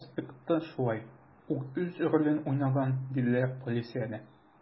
Дин аспекты шулай ук үз ролен уйнаган, диделәр полициядә.